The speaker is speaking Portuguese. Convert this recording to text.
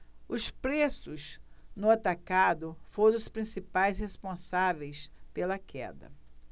os preços no atacado foram os principais responsáveis pela queda